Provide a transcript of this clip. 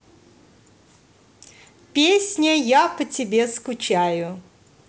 песня я по тебе скучаю